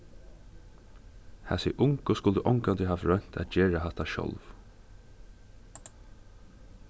hasi ungu skuldu ongantíð havt roynt at gera hatta sjálv